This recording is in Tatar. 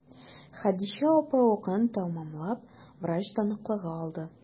Хәдичә апа укуын тәмамлап, врач таныклыгы алды.